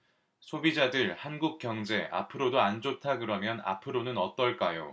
소비자들 한국 경제 앞으로도 안 좋다그러면 앞으로는 어떨까요